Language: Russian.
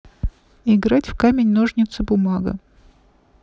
играть в камень ножницы бумага